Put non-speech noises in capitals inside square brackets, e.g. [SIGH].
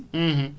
[HESITATION] [HESITATION]